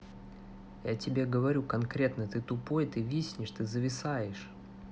я тебе говорю конкретно ты тупой ты виснешь ты зависаешь